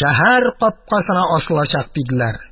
шәһәр капкасына асылачак!» – диделәр.